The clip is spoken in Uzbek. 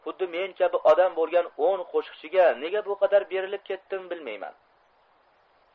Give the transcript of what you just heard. xuddi men kabi odam bo'lgan o'n qo'shiqchiga nega bu qadar berilib ketdim bilmayman